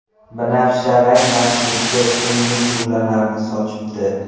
binafsharang dashtlikka so'nggi shu'lalarini sochibdi